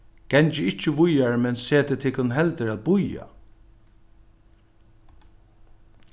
gangið ikki víðari men setið tykkum heldur at bíða